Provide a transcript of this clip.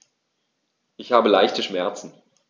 Ich habe leichte Schmerzen.